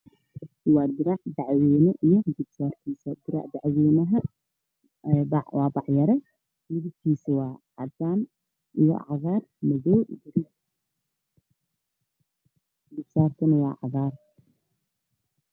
Waa dirac baac wayne iyo garab saatkiisa baac waynaha waa baac yare midabkiisa waa cadaan iyo cagaar iyo madow garab saarankana waa cagaar.